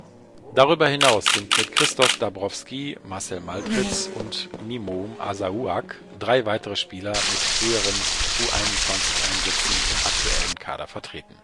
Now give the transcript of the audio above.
Darüber hinaus sind mit Christoph Dabrowski, Marcel Maltritz und Mimoun Azaouagh drei weitere Spieler mit früheren U21-Einsätzen im aktuellen Kader vertreten